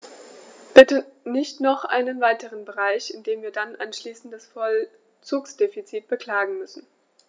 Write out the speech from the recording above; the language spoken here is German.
Bitte nicht noch einen weiteren Bereich, in dem wir dann anschließend das Vollzugsdefizit beklagen müssen.